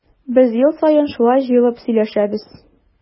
Без ел саен шулай җыелып сөйләшәбез.